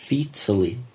Featally?